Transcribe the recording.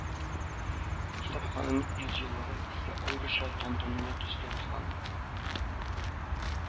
Китапханәнең йөз еллыгы исә аеруча тантаналы төстә узган